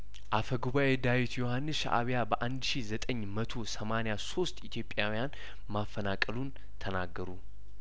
አፈጉባኤ ዳዊት ዮሀንስ ሻእቢያ በአንድ ሺ ዘጠኝ መቶ ሰማኒያ ሶስት ኢትዮጵያውያን ማፈናቀሉን ተናገሩ